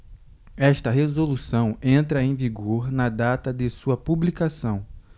esta resolução entra em vigor na data de sua publicação